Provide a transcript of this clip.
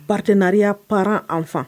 Parrenariat parents - enfants